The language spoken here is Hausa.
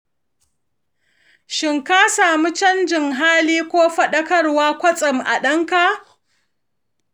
shin an samu canjin hali ko faɗakarwa kwatsam a ɗanka?